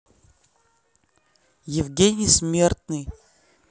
евгений смертный